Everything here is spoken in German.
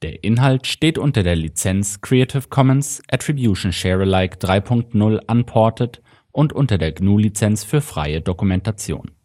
Inhalt steht unter der Lizenz Creative Commons Attribution Share Alike 3 Punkt 0 Unported und unter der GNU Lizenz für freie Dokumentation